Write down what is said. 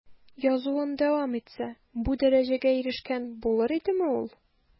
Язуын дәвам итсә, бу дәрәҗәгә ирешкән булыр идеме ул?